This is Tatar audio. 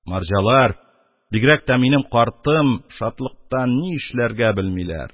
Марҗалар, бигрәк тә минем картым, шатлыктан ни эшләргә белмиләр.